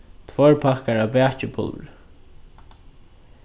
tveir pakkar av bakipulvuri